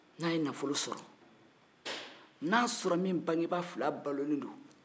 n'a ye nanfolo sɔrɔ n'a t'a sɔrɔ min bagabaa fila balolen don